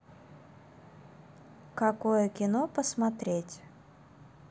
какое кино посмотреть